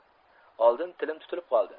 oldin tilim tutilib qoldi